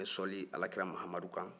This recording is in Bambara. n bɛ sɔli alakira mahamadu kan